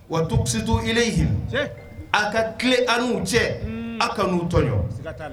Watutsituu ileyihin tɲɛ aw ka tile an'u cɛ unnn a' ka n'u tɔɲɔn sika taa la